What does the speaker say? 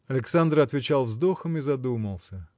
Александр отвечал вздохом и задумался.